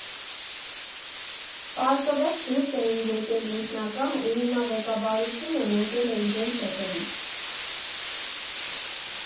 Պարզվեց՝ դուրս էին եկել ինքնակամ ու հիմա ղեկավարությունն ընկել էր իրենց հետևից։